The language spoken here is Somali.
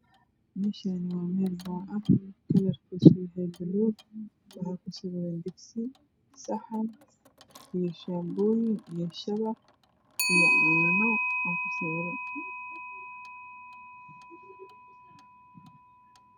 Meshani waa mel boor ah kalarkis yahay baluug waxa kusawiran digsi saxan io shaboyin io shabaq io cano aa kusawiran